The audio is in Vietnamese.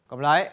cầm lấy